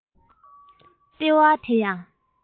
ལྟེ བ དེ ཡང